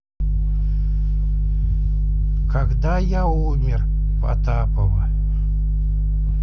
когда я умер потапова